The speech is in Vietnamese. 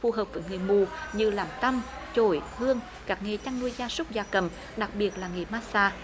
phù hợp với người mù như làm tăm chổi hương các nghề chăn nuôi gia súc gia cầm đặc biệt là nghề mát xa